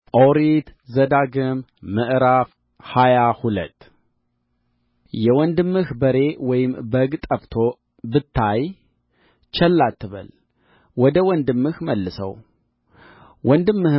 ኦሪት ዘዳግም ምዕራፍ ሃያ ሁለት የወንድምህ በሬ ወይም በግ ጠፍቶ ብታይ ቸል አትበል ወደ ወንድምህ መልሰው ወንድምህም